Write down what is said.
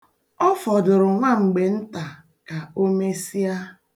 Ọ fọdụrụ nwa mgbe nta ka o mesịa.